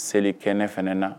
Seli kɛnɛ fana na.